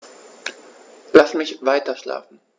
Lass mich weiterschlafen.